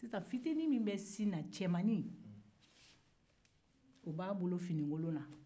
fitiinin min bɛ a bolo sin na cɛmannin o b'a bolo finikolon na